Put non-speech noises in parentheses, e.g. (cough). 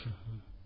(hesitation) (hesitation)